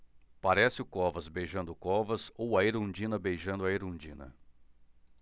parece o covas beijando o covas ou a erundina beijando a erundina